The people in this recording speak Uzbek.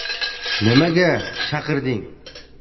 nimaga chaqirding